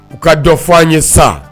U ka dɔ fɔ an ye sa